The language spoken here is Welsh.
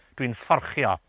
Dwi'n fforchio.